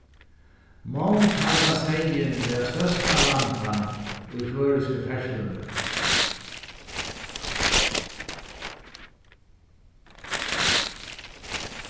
mong halda seyðin vera størsta vandan í føroysku ferðsluni